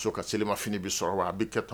Muso ka selima fini bɛ sɔrɔ wa ? a bɛ kɛ tan.